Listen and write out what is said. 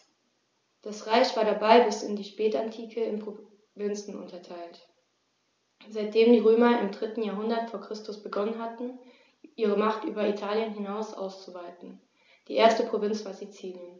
Das Reich war dabei bis in die Spätantike in Provinzen unterteilt, seitdem die Römer im 3. Jahrhundert vor Christus begonnen hatten, ihre Macht über Italien hinaus auszuweiten (die erste Provinz war Sizilien).